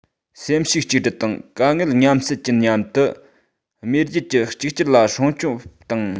སེམས ཤུགས གཅིག སྒྲིལ དང དཀའ ངལ མཉམ སེལ གྱིས མཉམ དུ མེས རྒྱལ གྱི གཅིག གྱུར ལ སྲུང སྐྱོབ དང